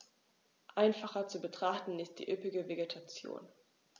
Einfacher zu betrachten ist die üppige Vegetation.